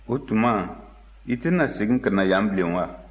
o tuma i tɛna segin ka na yan bilen wa